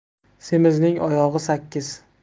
semizning oyog'i sakkiz